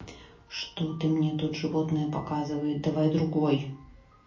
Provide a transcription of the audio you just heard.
что ты мне тут животное показывает давай другой